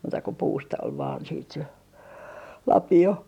muuta kuin puusta oli vain sitten se lapio